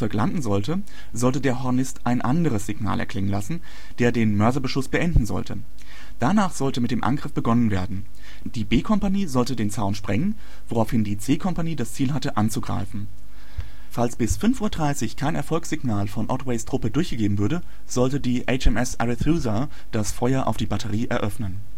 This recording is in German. landen sollte, sollte der Hornist ein anderes Signal erklingen lassen, der den Mörserbeschuss beenden sollte. Danach sollte mit dem Angriff begonnen werden. Die B-Kompanie sollte den Zaun sprengen, woraufhin die C-Kompanie das Ziel hatte, anzugreifen. Falls bis 05:30 Uhr kein Erfolgsignal von Otways Truppe durchgegeben würde, sollte die HMS Arethusa das Feuer auf die Batterie eröffnen